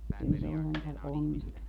kyllä se oli sentään onnetonta